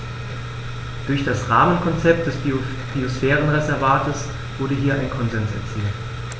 Durch das Rahmenkonzept des Biosphärenreservates wurde hier ein Konsens erzielt.